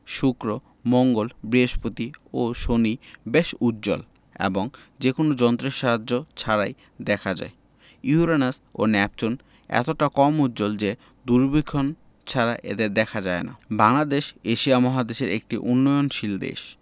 শুক্র মঙ্গল বৃহস্পতি ও শনি বেশ উজ্জ্বল এবং কোনো যন্ত্রের সাহায্য ছাড়াই দেখা যায় ইউরেনাস ও নেপচুন এতটা কম উজ্জ্বল যে দূরবীক্ষণ ছাড়া এদের দেখা যায় না বাংলাদেশ এশিয়া মহাদেশের একটি উন্নয়নশীল দেশ